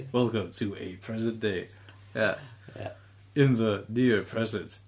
Welcome to a present day. Ia ...ia... in the near present.